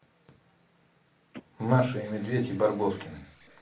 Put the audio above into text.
маша и медведь и барбоскины